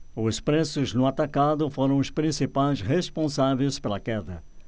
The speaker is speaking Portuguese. os preços no atacado foram os principais responsáveis pela queda